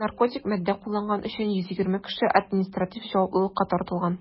Наркотик матдә кулланган өчен 125 кеше административ җаваплылыкка тартылган.